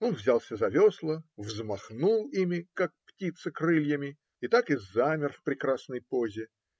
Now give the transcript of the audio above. Он взялся за весла, взмахнул ими, как птица крыльями, и так и замер в прекрасной позо.